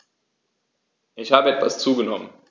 Ich habe etwas zugenommen